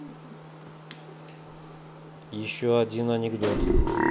еще один анекдот